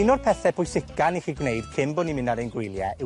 Un o'r pethe pwysica ni 'llu gwneud cyn bo' ni'n myn' ar ein gwylie yw